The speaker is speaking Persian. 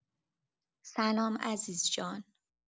سلام عزیزجان